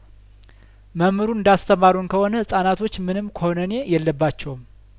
መምሩ እንዳስ ተማሩን ከሆነ ህጻናቶች ምንም ኩነኔ የለባቸውም